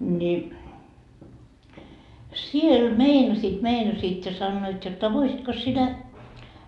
niin siellä meinasivat meinasivat ja sanoivat jotta voisitkos sinä